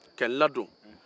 ka ladon